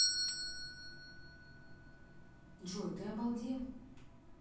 джой ты обалдел